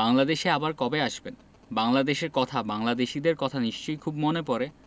বাংলাদেশে আবার কবে আসবেন বাংলাদেশের কথা বাংলাদেশীদের কথা নিশ্চয় খুব মনে পরে